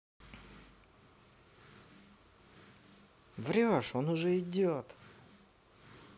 врешь он уже идет